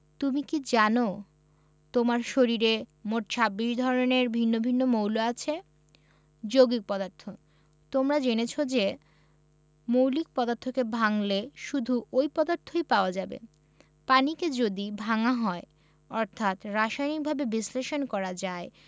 তুমি কি জানো তোমার শরীরে মোট ২৬ ধরনের ভিন্ন ভিন্ন মৌল আছে যৌগিক পদার্থ তোমরা জেনেছ যে মৌলিক পদার্থকে ভাঙলে শুধু ঐ পদার্থই পাওয়া যাবে পানিকে যদি ভাঙা হয় অর্থাৎ রাসায়নিকভাবে বিশ্লেষণ করা যায়